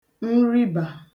nribà